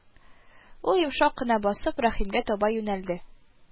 Ул, йомшак кына басып, Рәхимгә таба юнәлде